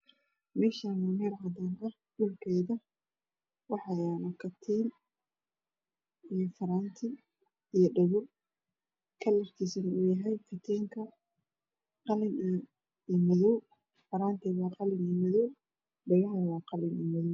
Meeshaan waa meel cadaan ah korkeeda waxa yaalo katiin iyo faraanti iyo dhago kalarkiisuna uu yahay katiinka qalin iyo madow faraantina waa qalin iyo madow dhagahana waa qalin iyo madow.